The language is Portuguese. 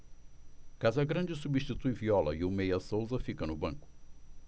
casagrande substitui viola e o meia souza fica no banco